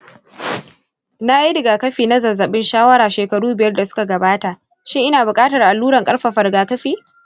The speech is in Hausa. na yi rigakafi na zazzabin shawara shekaru biyar da suka gabata; shin ina bukatar alluran ƙarfafa rigakafi?